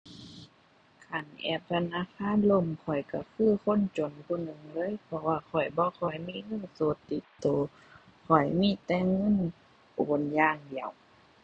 คันแอปธนาคารล่มข้อยก็คือคนจนคนหนึ่งเลย เพราะว่าข้อยบ่ค่อยมีเงินสดติดก็ ข้อยมีแต่เงินโอนอย่างเดียว